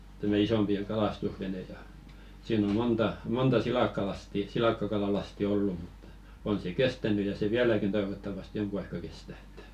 tämä isompi ja kalastusvene ja siinä on monta monta silakkalastia silakkakalalastia ollut mutta on se kestänyt ja se vieläkin toivottavasti jonkun aikaa kestää että